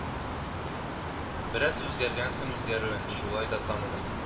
Бераз үзгәргәнсең үзгәрүен, шулай да таныдым